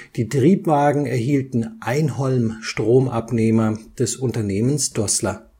Die Triebwagen erhielten Einholm-Stromabnehmer des Unternehmens Dozler